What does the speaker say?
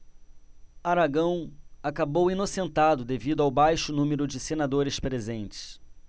aragão acabou inocentado devido ao baixo número de senadores presentes